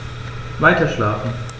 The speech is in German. Weiterschlafen.